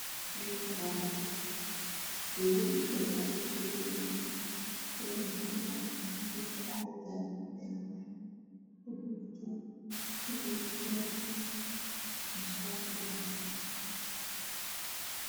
Meeshaan waa barxad wiilal iyo gabdho ayaa iskugu imaadeen wayna fadhiyaan, wiilka dhexda taagan waxuu wataa macawis jaale ah iyo shaati jaale ah.